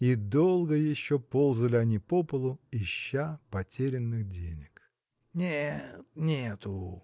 И долго еще ползали они по полу, ища потерянных денег. – Нет, нету!